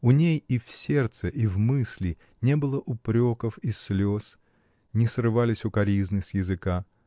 У ней и в сердце, и в мысли не было упреков и слез, не срывались укоризны с языка.